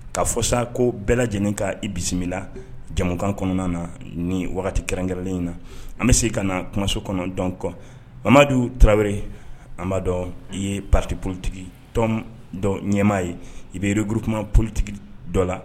Ka fɔsa ko bɛɛ lajɛlen ka i bisimila jamukan kɔnɔna na ni kɛrɛnkɛlen in na an bɛ se ka na kumaso kɔnɔ dɔn kɔ amadudu tarawele an b'a dɔn i ye pti porotigitɔn dɔ ɲɛmaa ye i bɛ gurk politigi dɔ la